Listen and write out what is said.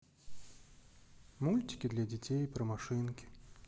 мультики для детей про машинки